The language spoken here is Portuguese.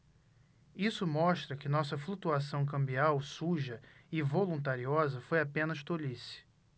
isso mostra que nossa flutuação cambial suja e voluntariosa foi apenas tolice